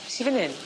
Be' sy fyn 'yn?